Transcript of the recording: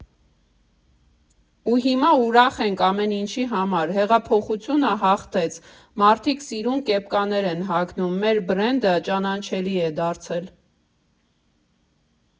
Ու հիմա ուրախ ենք ամեն ինչի համար՝ հեղափոխությունը հաղթեց, մարդիկ սիրուն կեպկաներ են հագնում, մեր բրենդը ճանաչելի ա դարձել։